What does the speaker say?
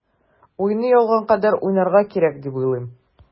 Уйный алган кадәр уйнарга кирәк дип уйлыйм.